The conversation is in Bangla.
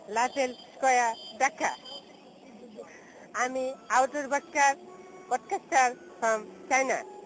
রাসেল স্কয়ার ঢাকা আমি আব্দুল বক্কর ফ্রম চায়না